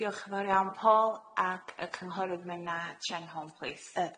Diolch yn fawr iawn, Paul ac y cynghorydd myna Tsieng Hon plîs.